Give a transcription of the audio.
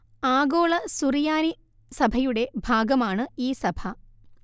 ആഗോള സുറിയാനി സഭയുടെ ഭാഗമാണ് ഈ സഭ